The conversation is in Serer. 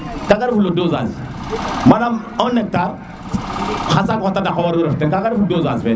kaga refu no dosage manan 1 hectar xa saaku xa daɗak waru ref teen kaga refu dosage fe